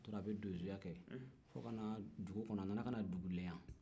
a tora a bɛ donso ya kɛ fo ka na dugu kɔnɔ a nana dugulenya